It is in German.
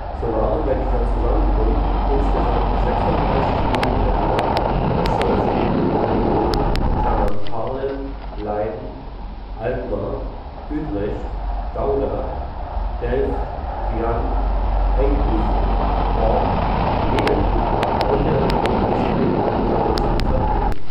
So waren bei dieser Zusammenkunft insgesamt 36 Blumenhändler aus zwölf Städten und Regionen (Haarlem, Leiden, Alkmaar, Utrecht, Gouda, Delft, Vianen, Enkhuizen, Hoorn, Medemblik und der Region De Streeck) vertreten